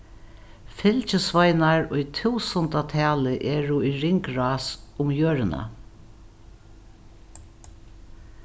fylgisveinar í túsundatali eru í ringrás um jørðina